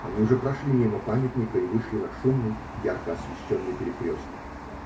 Они уже прошли мимо памятника и вышли на шумный, ярко освещенный перекресток.